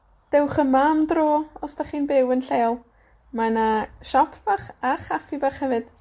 Dewch yma am dro. Os 'dach chi'n byw yn lleol. Ma' 'na siop fach a chaffi bach hefyd.